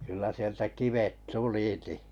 kyllä sieltä kivet tulikin